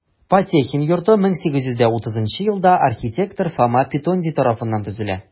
Потехин йорты 1830 елда архитектор Фома Петонди тарафыннан төзелә.